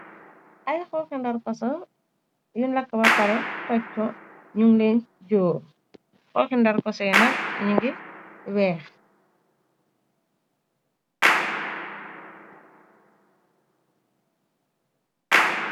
Ay xooxi ndarkosa yun làkk ba paré tojto ñung leen jóor xooxe ndarkosoy nag ñi ngi wèèx.